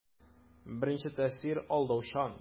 Беренче тәэсир алдаучан.